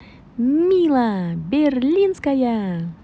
мила берлинская